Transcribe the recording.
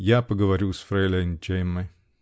-- Я поговорю с фрейлейн Джеммой.